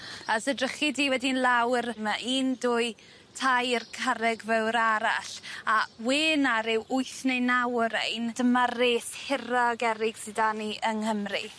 A os edrychi di wedyn lawr ma' un, dwy tair carreg fowr arall a we' 'na ryw wyth neu naw o rein, dyma'r res hira o gerrig sy 'da ni yng Nghymru.